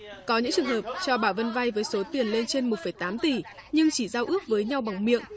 có những trường hợp cho bà vân vay với số tiền lên trên một phẩy tám tỷ nhưng chỉ giao ước với nhau bằng miệng